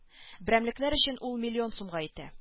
Берәмлекләр өчен ул миллион сумга итә